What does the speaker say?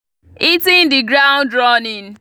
Hitting the ground running